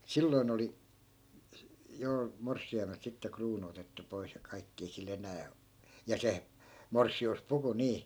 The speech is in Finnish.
silloin oli jo morsiamelta sitten kruunu otettu pois ja kaikki ei sillä enää - ja se morsiuspuku niin